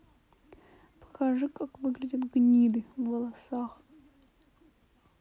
покажи как выглядят гниды в волосах